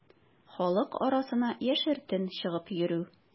Халык арасына яшертен чыгып йөрү.